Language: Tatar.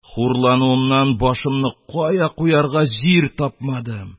Хурлануымнан ба шымны кая куярга җир тапмадым